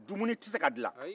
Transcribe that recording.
dumuni tɛ se ka dilan